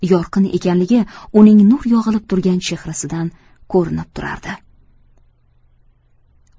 yorqin ekanligi uning nur yog'ilib turgan chehrasidan ko'rinib turardi